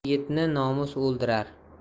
er yigitni nomus o'ldirar